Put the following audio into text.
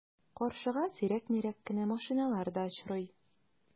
Каршыга сирәк-мирәк кенә машиналар да очрый.